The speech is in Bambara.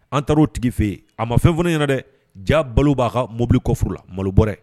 An taarar'o tigi fɛ yen a ma fɛn fana ɲɛna dɛ ja balo b'a ka mobili kɔf maloɔrɛ